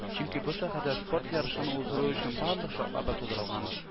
Чөнки бу шәһәрдә спорт ярышларын уздыру өчен барлык шартлар да тудырылган